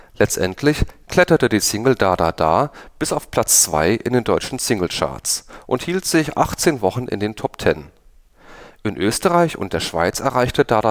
Letztendlich kletterte die Single „ Da da da “bis auf Platz 2 in den deutschen Single-Charts und hielt sich 18 Wochen in den Top 10. In Österreich und der Schweiz erreichte „ Da